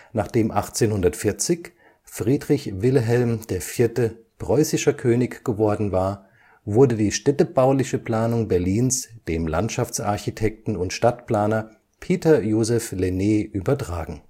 Nachdem 1840 Friedrich Wilhelm IV. preußischer König geworden war, wurde die städtebauliche Planung Berlins dem Landschaftsarchitekten und Stadtplaner Peter Joseph Lenné übertragen